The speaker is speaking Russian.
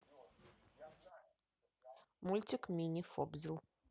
мультик мини фобзил